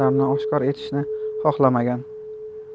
ma'lumotlarni oshkor etishni xohlamagan